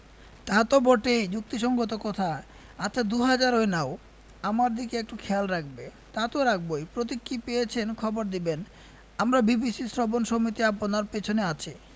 তা তো বটেই যুক্তিসংগত কথা আচ্ছা দু হাজারই নাও আমার দিকে একটু খেয়াল রাখবে তা তো রাখবোই প্রতীক কি পেয়েছেন খবর দিবেন আমরা বিবিসি শ্রবণ সমিতি আপনার পেছনে আছি